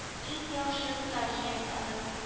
Иң яхшы таҗ ясагыз